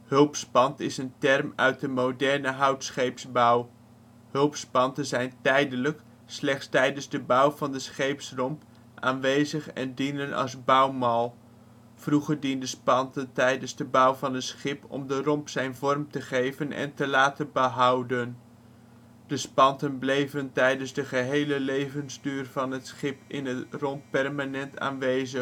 Hulpspant is een term uit de moderne hout-scheepsbouw. Hulpspanten zijn tijdelijk, slechts tijdens de bouw van de scheepsromp aanwezig en dienen als bouwmal. Vroeger dienden spanten tijdens de bouw van een schip om de romp zijn vorm te geven en te laten behouden. De spanten bleven tijdens de gehele levensduur van het schip in de romp permanent aanwezig. De